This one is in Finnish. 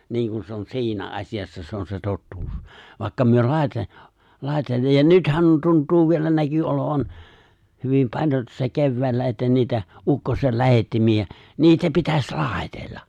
niin kuin se on siinä asiassa se on se totuus vaikka me -- ja nythän tuntuu vielä näkyi olevan hyvin paljon tuossa keväällä että niitä ukkosen lähettimiä niitä pitäisi laitella